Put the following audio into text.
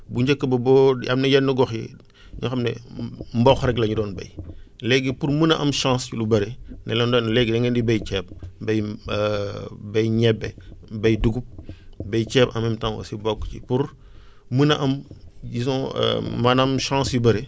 bu njëkk ba boo am na yenn gox yi yoo xam ne mboq rel la ñu doon béy léegi pour mun a am chance lu bëri ne leen ren da ngeen di béy ceeb mbéy béy ñebe béy dugub béy ceeb en même temps aussi bokk ci pour mun a am disons maanaam chance yu bëri